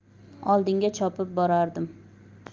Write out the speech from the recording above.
oldinga chopib borardim